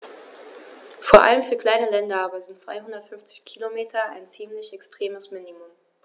Vor allem für kleine Länder aber sind 250 Kilometer ein ziemlich extremes Minimum.